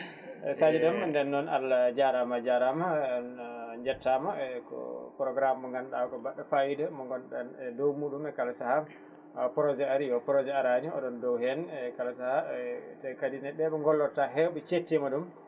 eyyi Sadio Déme nden noon Allah jarama a jarama jettama eko programme mop ganduɗa ko baɗɗo fayida mo ganduɗa e dow muɗum e kala saaha projet aari projet arani oɗon dow hen e kala saaha e te kadi ne ɓe ɓe gollodta hewɓe cettima ɗum